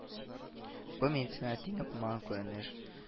Бу медицинада тиңе булмаган күренеш